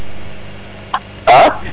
a